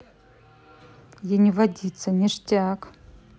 я не водится ништяк